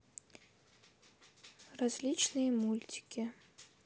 различные мультики